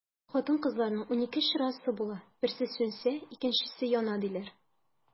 Хатын-кызларның унике чырасы була, берсе сүнсә, икенчесе яна, диләр.